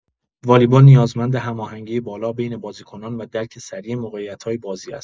والیبال نیازمند هماهنگی بالا بین بازیکنان و درک سریع موقعیت‌های بازی است.